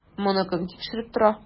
Моны кем тикшереп тора?